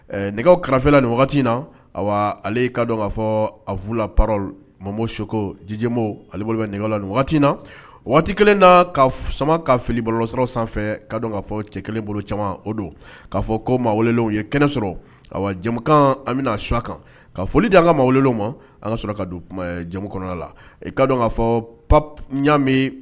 Kaa fɔ ala jibo bɛ la waati na waati kelen na ka sama ka filisɔrɔ sanfɛ ka ka fɔ cɛ kelen bolo caman o don k' fɔ ko ye kɛnɛ sɔrɔ jamukan an bɛna su kan ka foli di an ka ma an ka sɔrɔ ka don jamu kɔnɔ la ka kaa fɔ pa ɲa